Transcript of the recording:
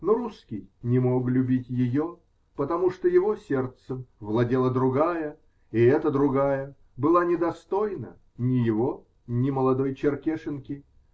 Но русский не мог любить ее, потому что его сердцем владела другая, -- и эта другая была недостойна ни его, ни молодой черкешенки.